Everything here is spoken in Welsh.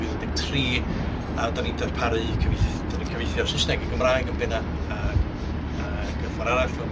fil un deg tri a 'dan ni'n darparu cyfieith- 'dan ni'n cyfieithu o'r Sysneg i Gymraeg yn benna ag ag y ffor arall, fel